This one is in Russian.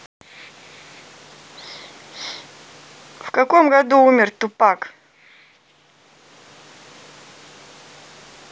в каком году умер тупак